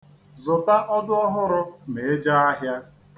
Zụta ọdụ ọhụrụ ma i jee ahịa.